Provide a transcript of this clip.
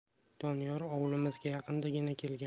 doniyor ovulimizga yaqindagina kelgandi